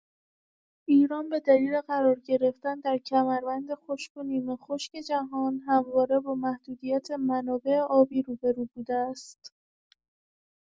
ایران به دلیل قرار گرفتن در کمربند خشک و نیمه‌خشک جهان، همواره با محدودیت منابع آبی روبه‌رو بوده است.